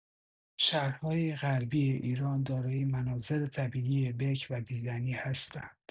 شهرهای غربی ایران دارای مناظر طبیعی بکر و دیدنی هستند.